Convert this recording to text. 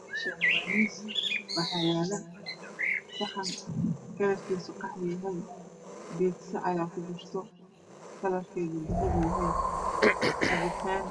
Meshaan waa mea miis waxaa yaal saxan kalarkiisa qaxwi yahy piidsa ayaa ku jirto kalrkeedu dahapi yahay capitaan